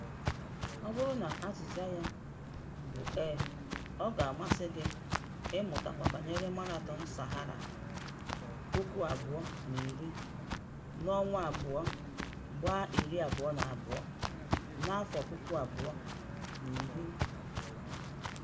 Ọ bụrụ na azịza ya bụ 'ee', ọ ga-amasị gị ịmụtakwu banyere Marathon Sahara 2010 na February 22, 2010.